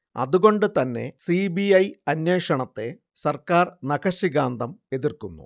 അതുകൊണ്ടു തന്നെ C. B. I അന്വേഷണത്തെ സർക്കാർ നഖശിഖാന്തം എതിർക്കുന്നു